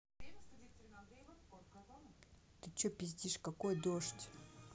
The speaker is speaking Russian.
ты че пиздишь какой дождь